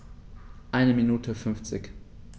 Eine Minute 50